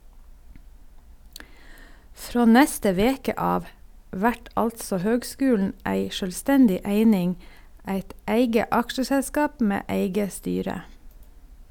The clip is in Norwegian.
Frå neste veke av vert altså høgskulen ei sjølvstendig eining, eit eige aksjeselskap med eige styre.